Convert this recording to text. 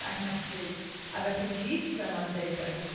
ac methu. A felly wnes i ista 'ma yn deud, reit...